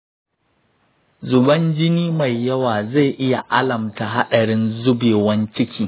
zuban jini mai yawa zai iya alamta haɗarin zubewan ciki